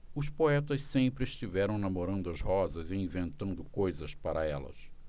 os poetas sempre estiveram namorando as rosas e inventando coisas para elas